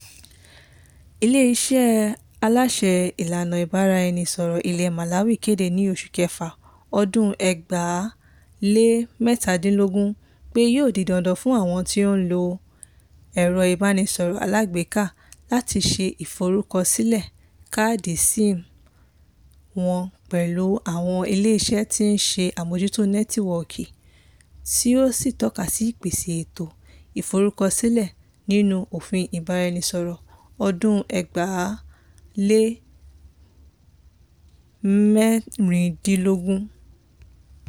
Ilé iṣẹ́ Aláṣẹ ìlànà ìbáraẹnisọ̀rọ̀ ilẹ̀ Malawi kéde ní oṣù kẹfà ọdún 2017 pé yóò di dandan fún àwọn tí wọ́n ń lo ẹ̀rọ Ìbánisọrọ̀ alágbèéká láti ṣe ìforúkọsílẹ̀ káàdì SIM wọn pẹ̀lú àwọn ilé iṣẹ́ tí ó ń ṣe àmójútó nẹ́tíwọ́ọ̀kì, tí ó sì tọ́ka sí ìpèsè ètò ìforúkọsílẹ̀ nínú òfin Ìbánisọrọ̀ ọdún 2016.